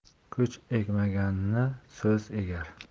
kuch egmaganni so'z egar